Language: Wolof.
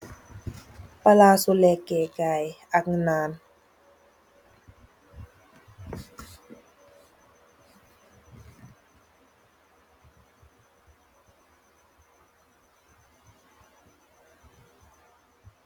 Balasu lekkeh kai ag naan.